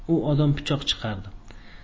u odam pichoq chikardi